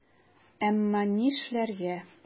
Әмма нишләргә?!